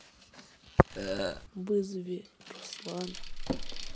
вызови руслана